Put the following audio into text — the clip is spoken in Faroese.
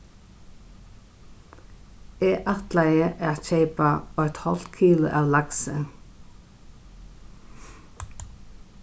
eg ætlaði at keypa eitt hálvt kilo av laksi